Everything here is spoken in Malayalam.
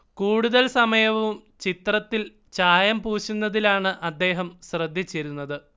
കൂടുതൽ സമയവും ചിത്രത്തിൽ ചായം പൂശുന്നതിലാണ് അദ്ദേഹം ശ്രദ്ധിച്ചിരുന്നത്